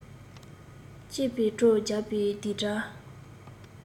སྐྱིད པོའི བྲོ རྒྱག པའི རྡིག སྒྲ